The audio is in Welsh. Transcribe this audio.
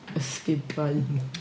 Ysgubau.